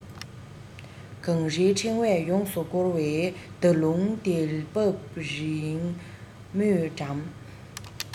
གངས རིའི འཕྲེང བས ཡོངས སུ བསྐོར བའི ཟླ ཀླུང དལ འབབ རིང མོས འགྲམ